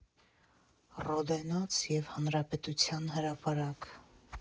Ռոդեննոց և Հանրապետության հրապարակ։